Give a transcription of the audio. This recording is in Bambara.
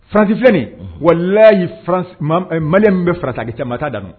Farantifi wa ye mali min bɛ farataki cɛmanma da